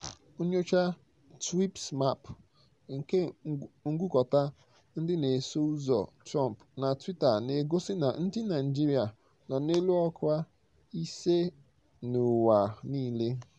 Nnyocha Tweepsmap nke ngụkọta ndị na-eso ụzọ Trump na Twitter na-egosi na ndị Naịjirịa nọ n'elu ọkwa ise n'ụwa niile: